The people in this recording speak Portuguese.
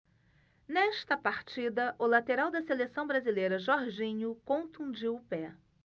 nesta partida o lateral da seleção brasileira jorginho contundiu o pé